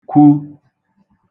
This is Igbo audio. -kwu